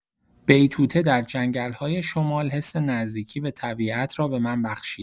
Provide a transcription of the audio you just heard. بیتوته در جنگل‌های شمال حس نزدیکی به طبیعت را به من بخشید.